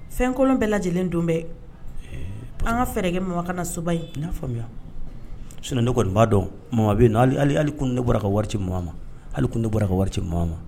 Fɛn kolon bɛɛ lajɛ lajɛlenlen don bɛɛ an ka fɛɛrɛkɛ mama na so in n y'a faamuya sun kɔni b'a dɔn mama bɛ hali kun ne bɔra ka wari ci mama ma hali kun ne bɔra ka wari mama ma